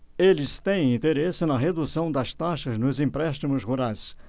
eles têm interesse na redução das taxas nos empréstimos rurais